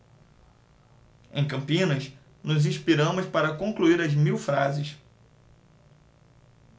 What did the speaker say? em campinas nos inspiramos para concluir as mil frases